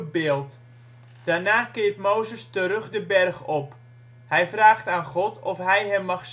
beeld. Daarna keert Mozes terug de berg op. Hij vraagt aan God of hij hem mag